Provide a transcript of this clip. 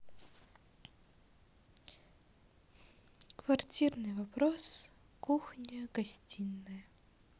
квартирный вопрос кухня гостиная